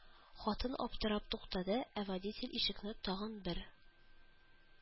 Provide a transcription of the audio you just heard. Хатын аптырап туктады, ә водитель ишекне тагын бер